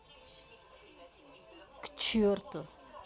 к черту